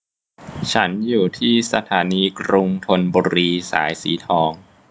ฉันอยู่ที่สถานีกรุงธนบุรีสายสีทอง